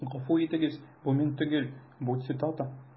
Гафу итегез, бу мин түгел, бу цитата.